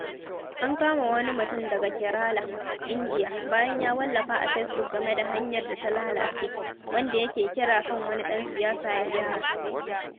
An kama wani mutum daga Kerala, Indiya, bayan ya wallafa a Facebook game da hanyar da ta lalace, wanda yake kira kan wani ɗan siyasa ya gyara.